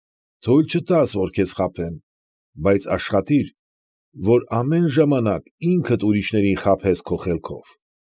Չթույլ տաս, որ քեզ խաբեն, բայց աշխատիր, որ ամեն ժամանակ ինքդ ուրիշներին խաբես քո խելքով։